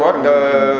ok Mor